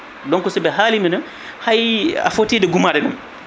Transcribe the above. donc soɓe haali minena hay a foti gumade ɗum